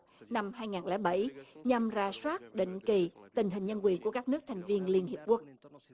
năm hai ngàn lẻ bảy nhằm rà soát định kỳ tình hình nhân quyền của các nước thành viên liên hiệp quốc